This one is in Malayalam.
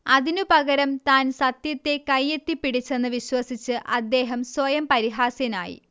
അതിന് പകരം താൻ സത്യത്തെ കയ്യെത്തിപ്പിടിച്ചെന്ന് വിശ്വസിച്ച് അദ്ദേഹം സ്വയം പരിഹാസ്യനായി